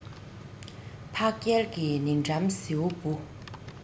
འཕགས རྒྱལ གྱི ནི བྲམ ཟེའི བུ